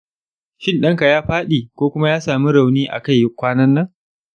shin ɗanka ya faɗi ko kuma ya sami rauni a kai kwanan nan?